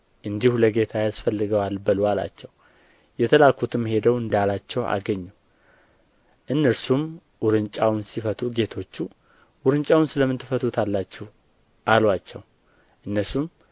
እንዲሁ ለጌታ ያስፈልገዋል በሉ አላቸው የተላኩትም ሄደው እንዳላቸው አገኙ እነርሱም ውርንጫውን ሲፈቱ ጌቶቹ ውርንጫውን ስለ ምን ትፈቱታላችሁ አሉአቸውም እነርሱም